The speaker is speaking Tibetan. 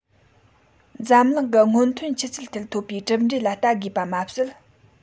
འཛམ གླིང གི སྔོན ཐོན ཆུ ཚད ཐད ཐོབ པའི གྲུབ འབྲས ལ བལྟ དགོས པ མ ཟད